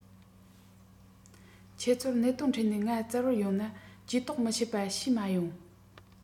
ཁྱེད ཚོར གནད དོན འཕྲད ནས ང བཙལ བར ཡོང ན ཇུས གཏོགས མི བྱེད པ བྱས མ ཡོང